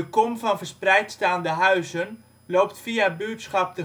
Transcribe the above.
kom van verspreid staande huizen loopt via buurtschap